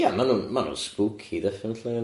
Ia, ma'n nhw'n ma'n nhw'n spooky definitely yndi?